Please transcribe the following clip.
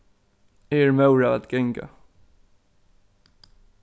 eg eri móður av at ganga